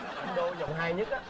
anh đô vòng hai nhất á